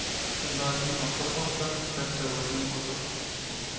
kundoshning oti qursin saksovulning o'ti qursin